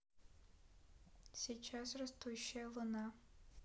сейчас растущая луна